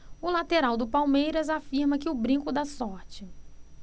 o lateral do palmeiras afirma que o brinco dá sorte